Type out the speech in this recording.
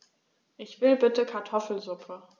Ich will bitte Kartoffelsuppe.